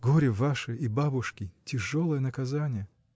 Горе ваше и бабушки — тяжелое наказание!